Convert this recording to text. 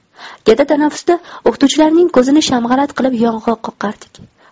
katta tanaffusda o'qituvchilarning ko'zini shamg'alat qilib yong'oq qoqardik